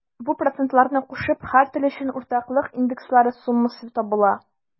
Бу процентларны кушып, һәр тел өчен уртаклык индекслары суммасы табыла.